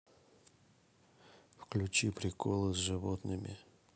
включи приколы с животными